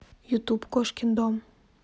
ютуб кошкин дом